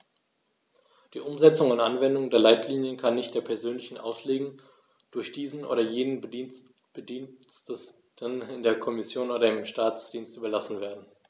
Die Umsetzung und Anwendung der Leitlinien kann nicht der persönlichen Auslegung durch diesen oder jenen Bediensteten in der Kommission oder im Staatsdienst überlassen werden.